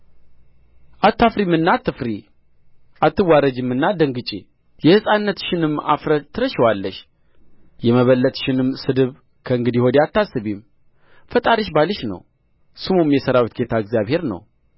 አታፍሪምና አትፍሪ አተዋረጂምና አትደንግጪ የሕፃንነትሽንም እፍረት ትረሺዋለሽ የመበለትነትሽንም ስድብ ከእንግዲህ ወዲህ አታስቢም ፈጣሪሽ ባልሽ ነው ስሙም የሠራዊት ጌታ እግዚአብሔር ነው